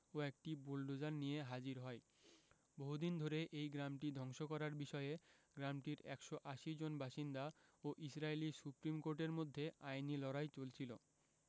ও একটি বুলোডোজার নিয়ে হাজির হয় বহুদিন ধরে এই গ্রামটি ধ্বংস করার বিষয়ে গ্রামটির ১৮০ জন বাসিন্দা ও ইসরাইলি সুপ্রিম কোর্টের মধ্যে আইনি লড়াই চলছিল